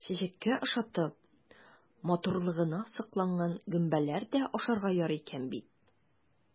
Чәчәккә охшатып, матурлыгына сокланган гөмбәләр дә ашарга ярый икән бит!